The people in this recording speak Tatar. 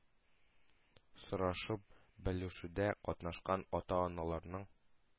Сорашып-белешүдә катнашкан ата-аналарның